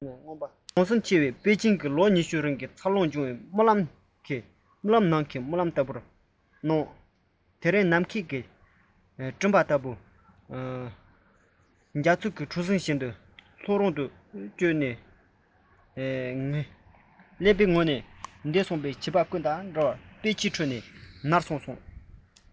ཟང ཟིང ཆེ བའི པེ ཅིན ལོ ཉི ཤུའི རིང འཚར ལོངས བྱུང རྨི ལམ ནང གི རྨི ལམ ལྟ བུར སྣང དེ རིང གི ནམ མཁའ ལྟ བུ སྤྲིན པ དཀར པོ ནམ མཁའ སྔོན པོ རྒྱ མཚོའི གྲུ གཟིངས བཞིན ལྷོ རུ བསྐྱོད འཆར ཡན ཀླད པའི ངོས ནས འདས སོང བྱིས པ ཀུན དང འདྲ བར དཔེ ཆའི ཁྲོད ནས ནར སོན